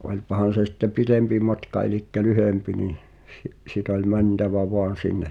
onpahan se sitten pitempi matka eli lyhempi niin - sitten oli mentävä vain sinne